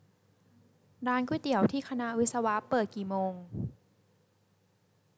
ร้านก๋วยเตี๋ยวที่คณะวิศวะเปิดกี่โมง